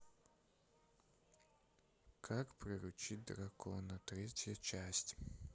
как приручить дракона третья часть